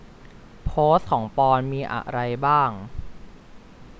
โพสต์ของปอนด์มีอะไรบ้าง